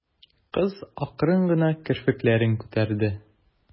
Кыз акрын гына керфекләрен күтәрде.